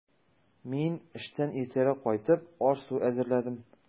Мин, эштән иртәрәк кайтып, аш-су әзерләдем.